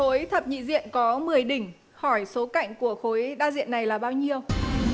khối thập nhị diện có mười đỉnh hỏi số cạnh của khối đa diện này là bao nhiêu